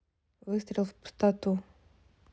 выстрел в пустоту